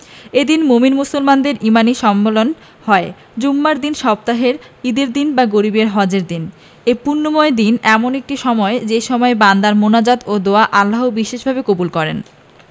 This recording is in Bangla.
এদিন মোমিন মুসলমানদের ইমানি সম্মিলন হয় জুমার দিন সপ্তাহের ঈদের দিন বা গরিবের হজের দিন এ পুণ্যময় দিনে এমন একটি সময় আছে যে সময় বান্দার মোনাজাত ও দোয়া আল্লাহ বিশেষভাবে কবুল করেন